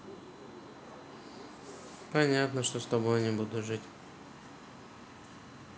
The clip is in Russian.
понятно что с тобой не будут жить